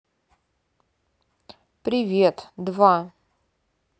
привет два